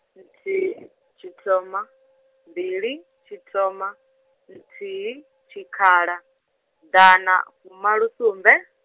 nthihi, tshithoma, mbili, tshithoma, nthihi, tshikhala ḓanafumalosumbe.